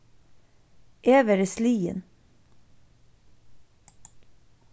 eg verði sligin